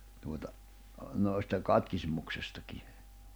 tuota noista katkismuksestakin